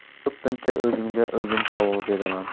ko'pincha o'zimga o'zim savol beraman